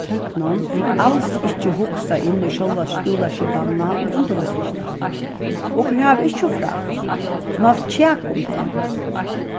tøknin er als ikki hugsað inn í sjálva skúlaskipanina og undirvísingina okur hava ikki so frætt sum havt kjak um tað enn